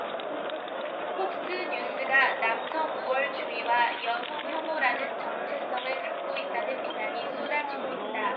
폭스뉴스가 남성우월주의와 여성혐오이라는 정체성을 갖고 있다는 비난이 쏟아지고 있다